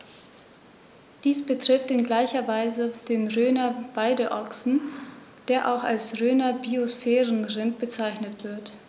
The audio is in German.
Dies betrifft in gleicher Weise den Rhöner Weideochsen, der auch als Rhöner Biosphärenrind bezeichnet wird.